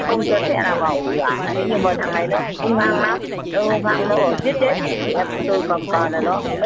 không cho xe vào ủi ạ nếu như mà thằng này nó hung hăng lắm nó hung hăng nó giết chết em tui cầm còi nè nó